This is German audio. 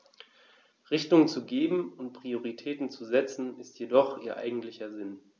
Richtung zu geben und Prioritäten zu setzen, ist jedoch ihr eigentlicher Sinn.